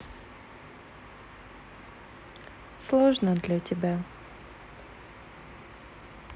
сложно для тебя